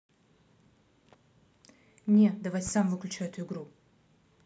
не давай сам выключай эту игру